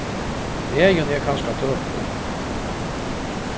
regin er kanska tøkur